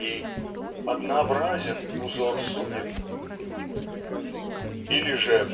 и "однообразен узор судеб"? Или же